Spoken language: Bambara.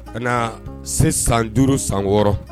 Ka na se san duuru san wɔɔrɔ